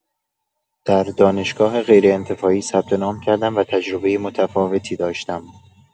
در دانشگاه غیرانتفاعی ثبت‌نام کردم و تجربه متفاوتی داشتم.